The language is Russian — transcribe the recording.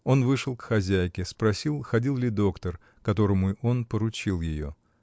Он вышел к хозяйке, спросил, ходил ли доктор, которому он поручил ее.